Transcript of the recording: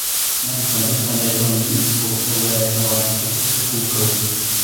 Ma' 'na digon o betha i neud rŵan efo'r e-books ar y we a petha fel 'a. Jyst tsiecio Google.